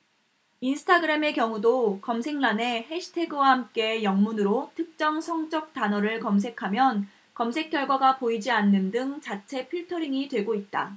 인스타그램의 경우도 검색란에 해시태그와 함께 영문으로 특정 성적 단어를 검색하면 검색 결과가 보이지 않는 등 자체 필터링이 되고 있다